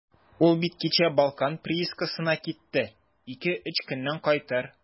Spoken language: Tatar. Ул бит кичә «Балкан» приискасына китте, ике-өч көннән кайтыр.